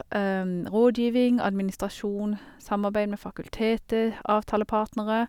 Rådgiving, administrasjon, samarbeid med fakultetet, avtalepartnere.